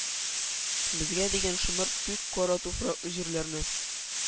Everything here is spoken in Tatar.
Безгә дигән шомырт күк кара туфраклы җирләрне,